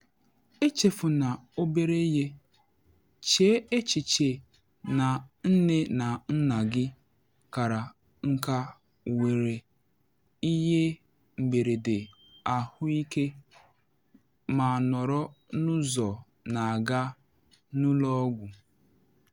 Echefuna obere ihe: Chee echiche na nne na nna gị kara nka nwere ihe mberede ahụike ma nọrọ n’ụzọ na aga n’ụlọ ọgwụ.